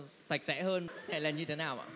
sạch sẽ hơn hay là như thế nào ạ